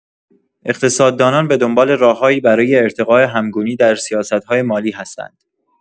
اقتصاددانان به دنبال راه‌هایی برای ارتقای همگونی در سیاست‌های مالی هستند.